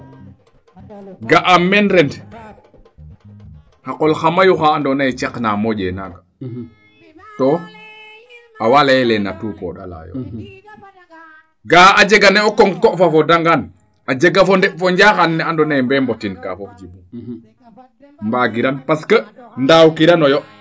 ga'aam meen ren xa qol xa mayu xaa ando naye caq naa moƴee naaga to awa leyele na tupondola yo ga'a a jega nee konko fa foda ngaan a jega fo ɗeɓfo njaxaan ne ando naye mee mbotin kaafof Djiby mbaagiran parce que ndaaw kirano yo